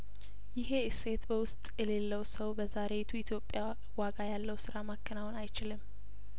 ይሄ እሴት በውስጥ የሌለሰው በዛሬይቱ ኢትዮጵያ ዋጋ ያለው ስራ ለማከናወን አይችልም